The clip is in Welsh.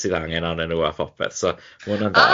sydd angen arnyn nhw a phopeth, so ma' hwnna'n dda.